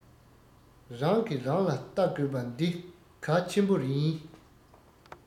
རང གི རང ལ ལྟ དགོས པ འདི གལ ཆེ པོ ཡིན